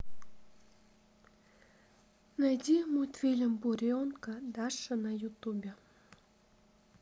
найди мультфильм буренка даша на ютубе